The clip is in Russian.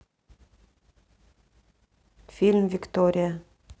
фильм виктория